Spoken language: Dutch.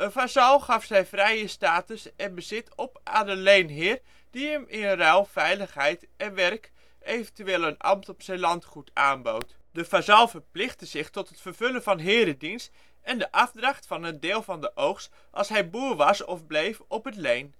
vazal gaf zijn vrije status en bezit op aan een leenheer die hem in ruil veiligheid en werk (eventueel een ambt op zijn landgoed) aanbood. De vazal verplichtte zich tot het vervullen van heredienst en de afdracht van een deel van de oogst als hij boer was (of bleef) op het leen